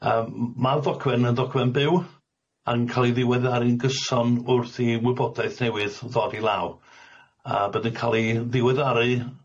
Yym m- ma'r ddogfen yn ddogfen byw yn ca'l ei ddiweddaru'n gyson wrth i wybodaeth newydd ddod i law a bydd yn ca'l 'i ddiweddaru